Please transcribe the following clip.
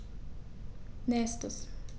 Nächstes.